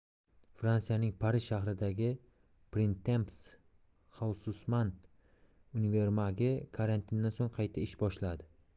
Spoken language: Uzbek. fransiyaning parij shahridagi printemps haussmann univermagi karantindan so'ng qayta ish boshladi